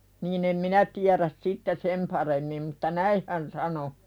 niin en minä tiedä sitten sen paremmin mutta näin hän sanoi